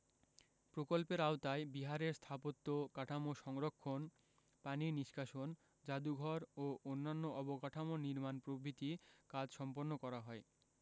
প্রকল্পের আওতায় বিহারের স্থাপত্য কাঠামো সংরক্ষণ পানি নিষ্কাশন জাদুঘর ও অন্যান্য অবকাঠামো নির্মাণ প্রভৃতি কাজ সম্পন্ন করা হয়